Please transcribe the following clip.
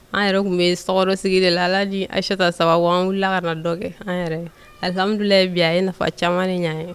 An yɛrɛ kun bee sɔgɔnɔ sigi de la Ala ni Aichata sababu an wulila kana dɔ kɛ an yɛrɛ ye alhamdulahi bi a ye nafa caman de ɲa an ye